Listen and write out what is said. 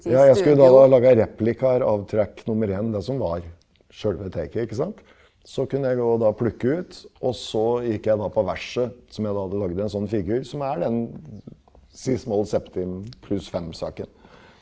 ja jeg skulle da lage replikaer av nummer en da som var sjølve taket ikke sant, så kunne jeg gå og da plukke ut og så gikk jeg da på verset som jeg da hadde lagd en sånn figur som er den ciss-moll septim pluss fem saken.